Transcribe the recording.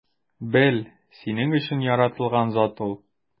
Бел: синең өчен яратылган зат ул!